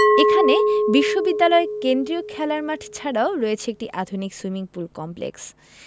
এখানে বিশ্ববিদ্যালয় কেন্দ্রীয় খেলার মাঠ ছাড়াও রয়েছে একটি আধুনিক সুইমিং পুল কমপ্লেক্স